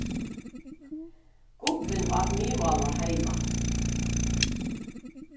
gubbin át miðmála heima